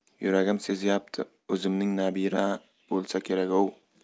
yuragim sezyapti o'zimizning nabira bo'lsa kerak ov